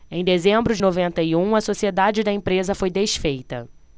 em dezembro de noventa e um a sociedade da empresa foi desfeita